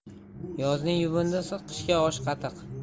yozning yuvindisi qishga osh qatiq